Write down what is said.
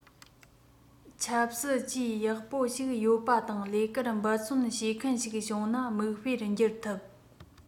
ཆབ སྲིད ཅུས ཡག པོ ཞིག ཡོད པ དང ལས ཀར འབད བརྩོན བྱེད ཁན ཞིག བྱུང ན མིག དཔེར འགྱུར ཐུབ